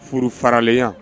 Furufaralenya